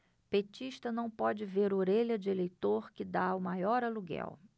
petista não pode ver orelha de eleitor que tá o maior aluguel